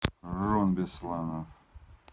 рон бесланов